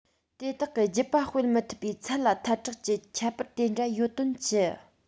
དེ དག གི རྒྱུད པ སྤེལ མི ཐུབ པའི ཚད ལ ཐལ དྲགས ཀྱི ཁྱད པར དེ འདྲ ཡོད དོན ཅི